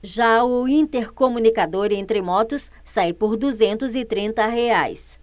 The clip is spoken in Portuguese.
já o intercomunicador entre motos sai por duzentos e trinta reais